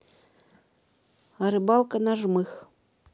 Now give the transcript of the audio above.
рыбалка на жмых